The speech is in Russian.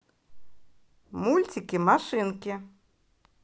мультики машинки